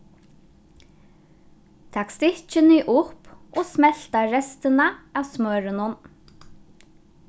tak stykkini upp og smelta restina av smørinum